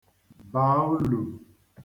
bà ulu